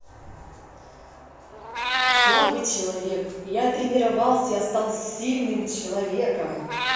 слабый человек я тренировался я стал сильным человеком